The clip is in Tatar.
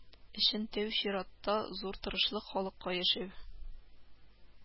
Өчен тәү чиратта зур тырышлык, халыкка яшәү